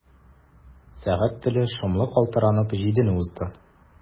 Сәгать теле шомлы калтыранып җидене узды.